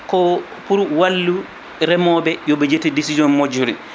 ko pour wallu reemoɓe yooɓe ƴettu décision moƴƴuɗi